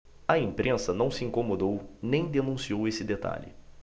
a imprensa não se incomodou nem denunciou esse detalhe